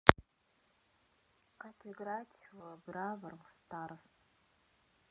как играть в бравл старс